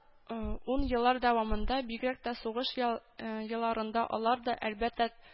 Ун еллар дәвамында, бигрәк тә сугыш елларында алар да, әлбәттә